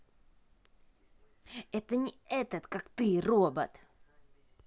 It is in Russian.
это не этот как ты робот